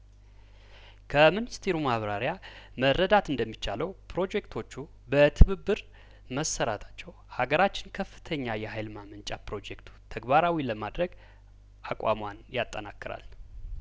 ከምኒስትሩ ማብራሪያ መረዳት እንደሚቻለው ፕሮጀክቶቹ በትብብር መሰራታቸው ሀገራችን ከፍተኛ የሀይል ማመንጫ ፕሮጀክቱን ተግባራዊ ለማድረግ አቋሟን ያጠናክራል